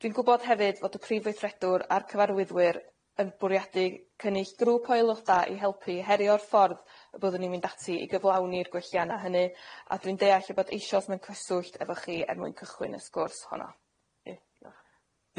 Dwi'n gwbod hefyd fod y Prif Weithredwr a'r cyfarwyddwyr yn bwriadu cynnull grŵp o aelodau i helpu herio'r ffordd y byddwn ni'n mynd ati i gyflawni'r gwelliana hynny a dwi'n deall eu bod eisoes mewn cyswllt efo chi er mwyn cychwyn y sgwrs honno.